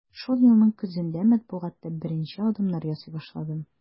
Шул елның көзендә матбугатта беренче адымнар ясый башладым.